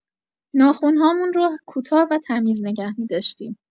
ناخن‌هامون رو کوتاه و تمیز نگه می‌داشتیم.